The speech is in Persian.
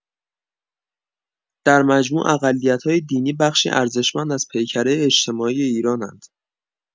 در مجموع، اقلیت‌های دینی بخشی ارزشمند از پیکره اجتماعی ایران‌اند.